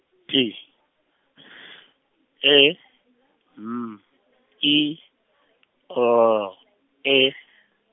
T S E M I L E.